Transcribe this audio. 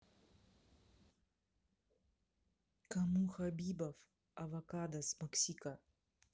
кому хабибов авокадос максика